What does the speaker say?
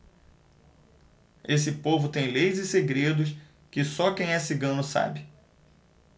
esse povo tem leis e segredos que só quem é cigano sabe